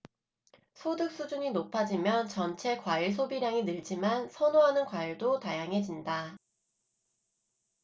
소득 수준이 높아지면 전체 과일 소비량이 늘지만 선호하는 과일도 다양해진다